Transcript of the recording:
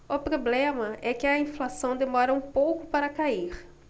o problema é que a inflação demora um pouco para cair